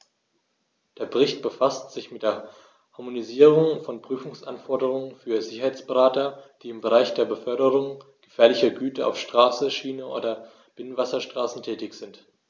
Der Bericht befasst sich mit der Harmonisierung von Prüfungsanforderungen für Sicherheitsberater, die im Bereich der Beförderung gefährlicher Güter auf Straße, Schiene oder Binnenwasserstraße tätig sind.